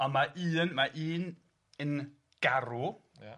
Ond ma' un ma' un yn garw... Ia...